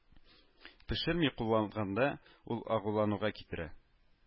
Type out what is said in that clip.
Пешерми кулланганда ул агулануга китерә